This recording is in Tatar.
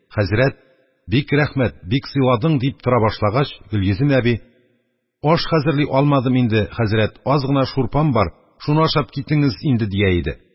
Хәзрәт: «Бик рәхмәт, бик сыйладың», – дип тора башлагач, Гөлйөзем әби: – Аш хәзерли алмадым инде, хәзрәт, аз гына шурпам бар, шуны ашап китеңез инде, – дия иде.